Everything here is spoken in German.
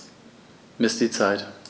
Miss die Zeit.